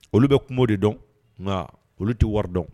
Olu bɛ kungo de dɔn nka olu t tɛi wari dɔn